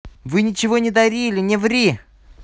вы ничего не дарили не пизди